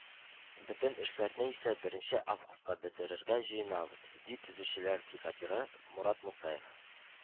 Бөтен эшләрне исә беренче августка бетерергә җыенабыз, - ди төзүчеләр бригадиры Мурат Мусаев.